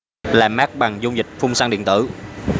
làm mát bằng dung dịch phun xăng điện tử